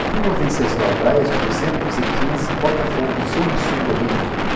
rua venceslau braz duzentos e quinze botafogo zona sul do rio